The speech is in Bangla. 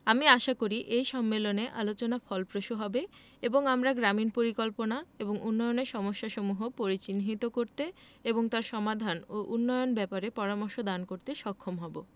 আমি আশা করি এ সম্মেলনে আলোচনা ফলপ্রসূ হবে এবং আমরা গ্রামীন পরিকল্পনা এবং উন্নয়নের সমস্যাসমূহ পরিচিহ্নিত করতে এবং তার সমাধান ও উন্নয়ন ব্যাপারে পরামর্শ দান করতে সক্ষম হবো